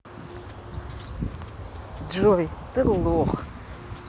джой ты лох